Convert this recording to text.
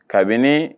Kabini